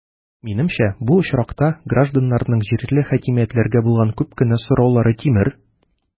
Минемчә, бу очракта гражданнарның җирле хакимиятләргә булган күп кенә сораулары кимер.